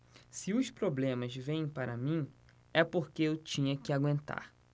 se os problemas vêm para mim é porque eu tinha que aguentar